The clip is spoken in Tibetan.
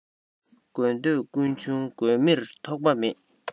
དགོས འདོད ཀུན འབྱུང དགོས མིར ཐོགས པ མེད